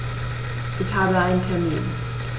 Ich habe einen Termin.